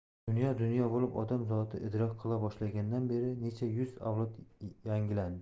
dunyo dunyo bo'lib odam zoti idrok qila boshlagandan beri necha yuz avlod yangilandi